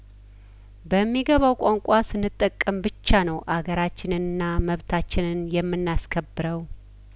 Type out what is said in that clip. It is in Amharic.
በሚ ገባው ቋንቋ ስንጠቀም ብቻ ነው አገራችንንና መብታችንን የምናስ ከብረው